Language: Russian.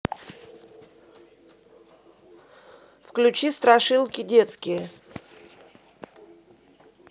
включи страшилки детские